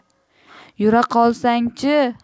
yura qolsang chi